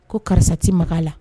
Ko karisati ma la